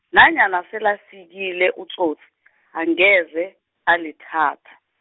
nanyana selafikile utsotsi , angeze, alithatha.